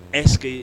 Ɛsseke ye